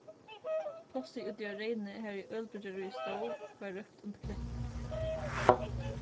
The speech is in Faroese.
plássið úti á reyni har ið ølbryggjaríið stóð varð rópt undir kletti